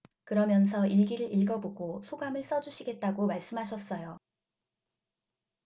그러면서 일기를 읽어 보고 소감을 써 주시겠다고 말씀하셨어요